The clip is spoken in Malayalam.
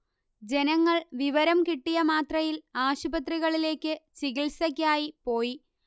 ജനങ്ങൾ വിവരം കിട്ടിയമാത്രയിൽ ആശുപത്രികളിലേക്ക് ചികിത്സക്കായി പോയി